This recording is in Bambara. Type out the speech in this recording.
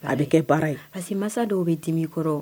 A bɛ kɛ baara ye parce que masa dɔw bɛ dimi kɔrɔ o